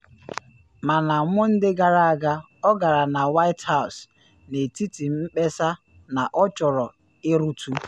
Mana Mọnde gara aga ọ gara na White House, n’etiti mkpesa na ọ chọrọ irutu.